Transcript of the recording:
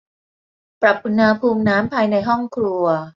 ปรับอุณหภูมิน้ำภายในห้องครัว